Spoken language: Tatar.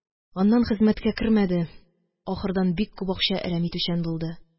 Аннан хезмәткә кермәде, ахырдан бик күп акча әрәм итүчән булды